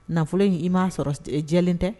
Nafolo i m'a sɔrɔ jɛlen tɛ